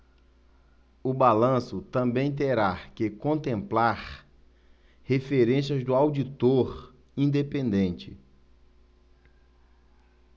o balanço também terá que contemplar referências do auditor independente